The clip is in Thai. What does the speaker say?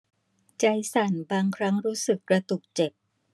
ใจสั่นบางครั้งรู้สึกกระตุกเจ็บ